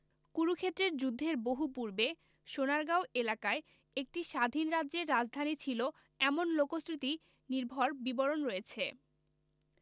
কুরুক্ষেত্রের যুদ্ধের বহু পূর্বে সোনারগাঁও এলাকায় একটি স্বাধীন রাজ্যের রাজধানী ছিল এমন লোকশ্রুতি নির্ভর বিবরণ রয়েছে